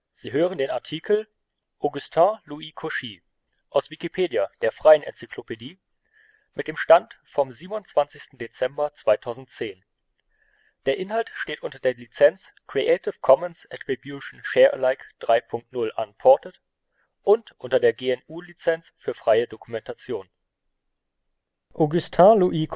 Sie hören den Artikel Augustin-Louis Cauchy, aus Wikipedia, der freien Enzyklopädie. Mit dem Stand vom Der Inhalt steht unter der Lizenz Creative Commons Attribution Share Alike 3 Punkt 0 Unported und unter der GNU Lizenz für freie Dokumentation. Augustin Louis Cauchy Augustin Louis Cauchy